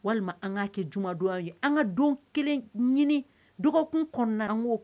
Walima an k'a kɛ jumadonya an ka don kelen ɲini dɔgɔkun kɔnɔ an k'o